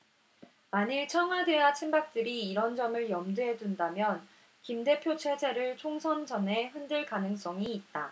만일 청와대와 친박들이 이런 점을 염두에 둔다면 김 대표 체제를 총선 전에 흔들 가능성이 있다